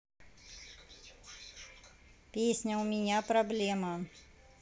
песня у меня проблема